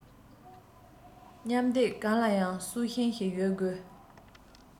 མཉམ སྡེབ གང ལ ཡང སྲོག ཤིང ཞིག ཡོད དགོས